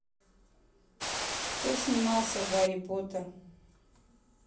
кто снимался гарри поттер